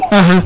axa